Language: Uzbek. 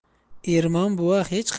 ermon buva hech